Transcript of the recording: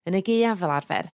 yn y Gaea fel arfer